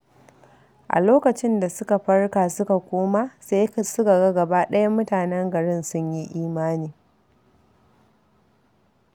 A lokacin da suka farka, suka koma, sai suka ga gabaɗaya mutanen garin sun yi imani